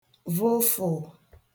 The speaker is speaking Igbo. vụfụ̀